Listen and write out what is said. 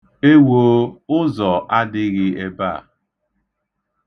Ewoo! Ụzọ adịghị ebe a.